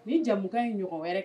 Ni jamunkan in ɲɔgɔn wɛrɛ